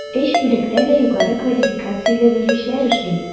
Өч бүлектә дә югары квалификацияле белгечләр эшли.